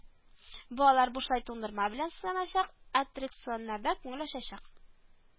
Балалар бушлай туңдырма белән сыйланачак, аттракционнарда күңел ачачак